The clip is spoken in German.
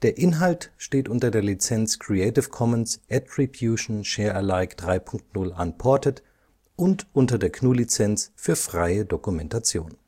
Inhalt steht unter der Lizenz Creative Commons Attribution Share Alike 3 Punkt 0 Unported und unter der GNU Lizenz für freie Dokumentation